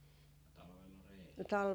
ja talvella reellä